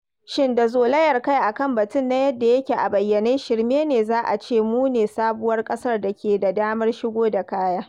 Shin da zolayar kai a kan batun na yadda yake a bayyane shirme ne za a ce mu ne sabuwar ƙasar da ke da damar shigo da kaya?